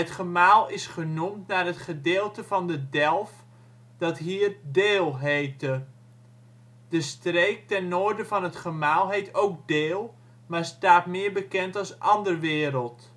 gemaal is genoemd naar het gedeelte van de Delf dat hier Deel heette. De streek ten noorden van het gemaal heet ook Deel, maar staat meer bekend als Anderwereld